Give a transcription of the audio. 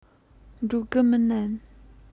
འགྲོ གི མིན ནམ